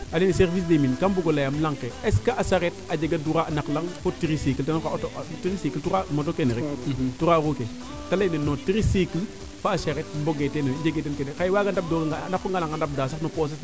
a leye service des mine kam bugo leyaam laŋ ke est ce que a sareet a jega droit a naq no laŋ pour tricycles tricycles trois moro keene rek trois roues ke te leyne non tricycle fa'a sareet mbogee kene jege den kene xaye waaga ndamb dooga nga a naqa nga lang a ndamb daa sax